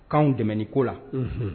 Kanw dɛmli ɛ ko la, unhun.